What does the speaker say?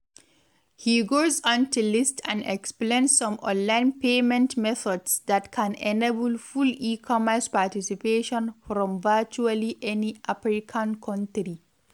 He goes on to list and explain some online payment methods that can enable full e-commerce participation from virtually any African country.